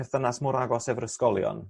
...perthynas mor agos efo'r ysgolion